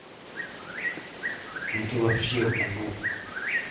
ну ты вообще бубу